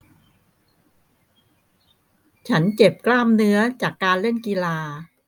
ฉันเจ็บกล้ามเนื้อจากการเล่นกีฬา